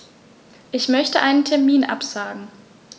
Ich möchte einen Termin absagen.